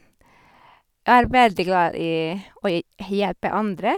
Er veldig glad i å i hjelpe andre.